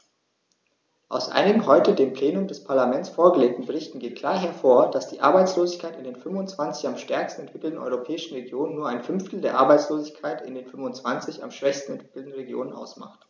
Aus einigen heute dem Plenum des Parlaments vorgelegten Berichten geht klar hervor, dass die Arbeitslosigkeit in den 25 am stärksten entwickelten europäischen Regionen nur ein Fünftel der Arbeitslosigkeit in den 25 am schwächsten entwickelten Regionen ausmacht.